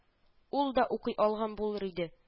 Ул да укый алган булыр иде